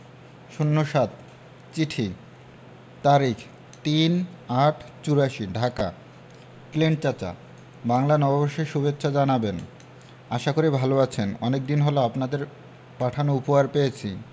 ০৭ চিঠি তারিখ ৩ ৮ ৮৪ ঢাকা ক্লিন্ট চাচা বাংলা নববর্ষের সুভেচ্ছা জানাবেন আশা করি ভালো আছেন অনেকদিন হল আপনাদের পাঠানো উপহার পেয়েছি